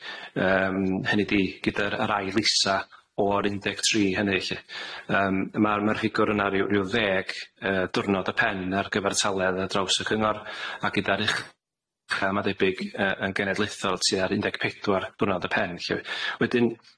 Yym hynny 'di gyda'r ail isa o'r un deg tri hynny 'lly yym ma'r merchigwr yna ryw ryw ddeg yy dwrnod y pen ar gyfartaledd ar draws y cyngor a gyda'r uch- ucha ma' debyg yy yn genedlaethol tua'r un deg pedwar dwrnod y pen 'lly.